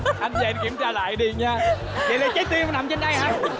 anh về anh kiểm tra lại đi nha vậy là trái tim anh nằm trên đây hả